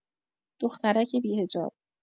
دخترک بی‌حجاب!